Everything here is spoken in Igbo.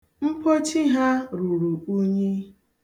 Mpochi ha ruru unyi.